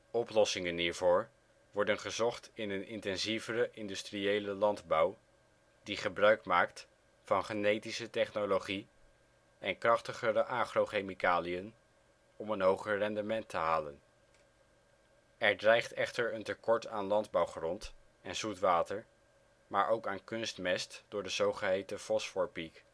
Oplossingen hiervoor worden gezocht in een intensievere industriële landbouw die gebruik maakt van genetische technologie en krachtigere agrochemicaliën om een hoger rendement te halen. Er dreigt echter een tekort aan landbouwgrond en zoet water, maar ook aan kunstmest door de zogeheten fosforpiek